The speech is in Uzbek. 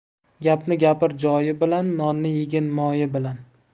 gapni gapir joyi bilan nonni yegin moyi bilan